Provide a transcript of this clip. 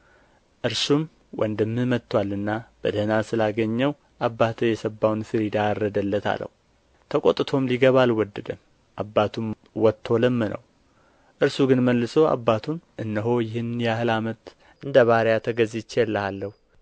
እርሱም ወንድምህ መጥቶአልና በደኅና ስላገኘው አባትህ የሰባውን ፊሪዳ አረደለት አለው ተቈጣም ሊገባም አልወደደም አባቱም ወጥቶ ለመነው እርሱ ግን መልሶ አባቱን እነሆ ይህን ያህል ዓመት እንደ ባሪያ ተገዝቼልሃለሁ